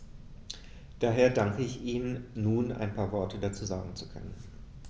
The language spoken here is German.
Daher danke ich Ihnen, nun ein paar Worte dazu sagen zu können.